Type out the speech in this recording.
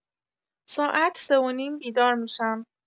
ساعت سه و نیم بیدار می‌شم.